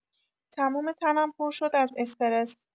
تموم تنم پر شد از استرس.